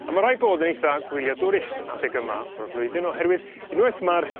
A ma' raid bod yn eitha gwyliadwrus adeg yma o'r flwyddyn oherwydd unwaith ma'r